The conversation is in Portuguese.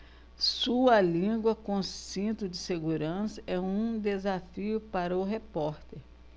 sua língua com cinto de segurança é um desafio para o repórter